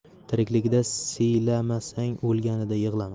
tirikligida siylamasang o'lganida yig'lama